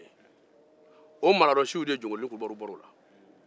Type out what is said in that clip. jɔnkolonin kulubaliw bɔra maladɔ la